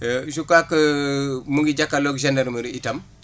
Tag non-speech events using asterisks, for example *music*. *hesitation* je crois que *hesitation* mu ngi jàkkaarloog gendarmerie itam